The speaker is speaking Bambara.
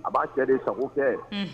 A b'a cɛ de sago kɛ, unhun.